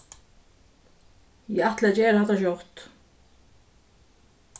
eg ætli at gera hatta skjótt